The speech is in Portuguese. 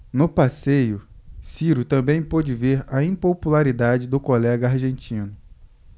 no passeio ciro também pôde ver a impopularidade do colega argentino